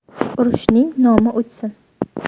urushning nomi o'chsin